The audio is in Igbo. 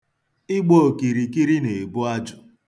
Ịgba okirikiri na-ebu ajụ.